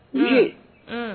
Ee